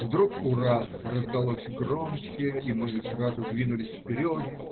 Вдруг "ура" раздалось громче, и мы сразу двинулись вперед.